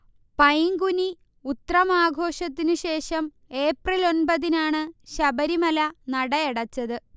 പൈങ്കുനി ഉത്രം ആഘോഷത്തിനുശേഷം ഏപ്രിൽ ഒൻപതിനാണ് ശബരിമല നടയടച്ചത്